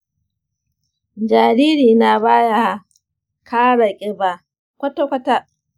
jaririna ba ya kara ƙiba kwata-kwata.